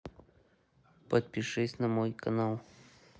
подпишись на мой канал